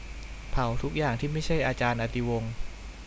เผาทุกอย่างที่ไม่ใช่อาจารย์อติวงศ์